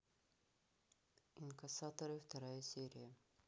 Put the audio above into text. инкассаторы вторая серия